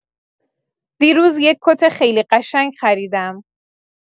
دیروز یک کت خیلی قشنگ خریدم